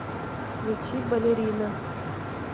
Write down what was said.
включи балерина